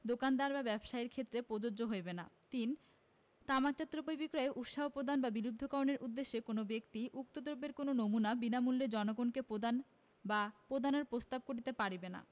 দোকানদার বা ব্যবসায়ীর ক্ষেত্রে প্রযোজ্য হইবে না ৩ তামাকজাত দ্রব্য বিক্রয়ে উৎসাহ প্রদান বা প্রলুব্ধকরণের উদ্দেশ্যে কোন ব্যক্তি উক্ত দ্রব্যের কোন নমুনা বিনামূল্যে জনগণকে প্রদান বা প্রদানের প্রস্তাব করিতে পারিবেনা